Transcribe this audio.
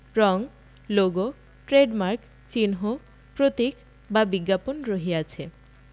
রং logo trademark চিহ্ন প্রতীক বা বিজ্ঞাপন রহিয়াছে